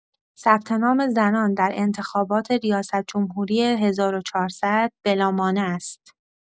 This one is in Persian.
ثبت‌نام زنان در انتخابات ریاست‌جمهوری ۱۴۰۰، بلامانع است.